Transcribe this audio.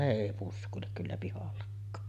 ne ei puske kyllä pihallakaan